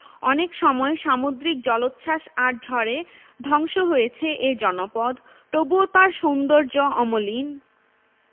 অনেক সময় সামুদ্রিক জলোচ্ছ্বাস আর ঝড়ে ধ্বংস হয়েছে এ জনপদ তবুও তার সৌন্দর্য্য অমলিন